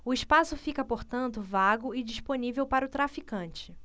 o espaço fica portanto vago e disponível para o traficante